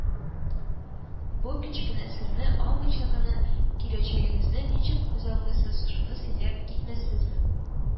Бу кечкенә серне ачмыйча гына, киләчәгегезне ничек күзаллыйсыз – шуны сөйләп китмәссезме